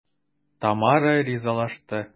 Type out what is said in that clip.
Тамара ризалашты.